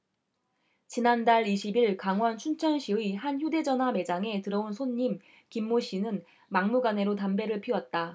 지난달 이십 일 강원 춘천시의 한 휴대전화 매장에 들어온 손님 김모 씨는 막무가내로 담배를 피웠다